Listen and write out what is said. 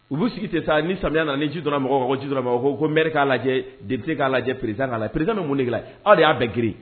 U b'u sigi ten sa ni samiya nana ni ji donna mɔgɔw kan, ko ji don na mɔgɔw kan, ko maire ka lajɛ député k'a lajɛ président k'a lajɛ président bɛ mun de lajɛ? Aw de y'a bɛn créer